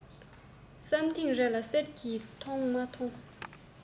བསམ ཐེངས རེ ལ གསེར གྱི ཐང མ མཐོང